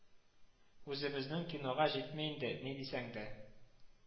Үзебезнең кинога җитми инде, нидисәңдә